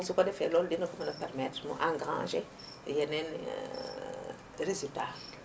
su ko defee loolu dina ko mën a permettre mu engrager yeneen résultats